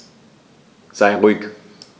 Sei ruhig.